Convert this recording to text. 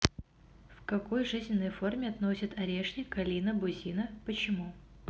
в какой жизненной форме относят орешник калина бузина почему